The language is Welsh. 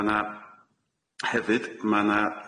Ma' 'na, hefyd, ma' 'na,